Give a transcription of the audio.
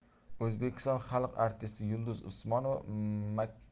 o'zbekiston xalq artisti yulduz usmonova makka